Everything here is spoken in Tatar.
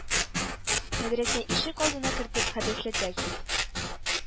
Мәдрәсә ишек алдына кертеп хәдәсләтәсез?